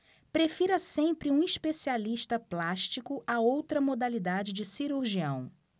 prefira sempre um especialista plástico a outra modalidade de cirurgião